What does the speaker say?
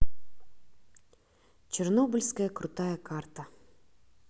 чернобыльская крутая карта